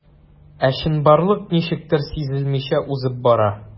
Ә чынбарлык ничектер сизелмичә узып бара.